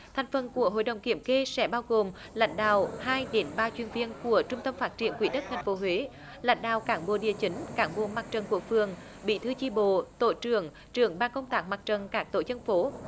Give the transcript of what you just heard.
thành phần của hội đồng kiểm kê sẽ bao gồm lãnh đạo hai đến ba chuyên viên của trung tâm phát triển quỹ đất thành phố huế lãnh đạo cán bộ địa chính cán bộ mặt trận của phường bí thư chi bộ tổ trưởng trưởng ban công tác mặt trận các tổ dân phố